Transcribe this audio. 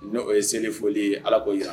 N'o ye selifoli ye Ala ko jir'an na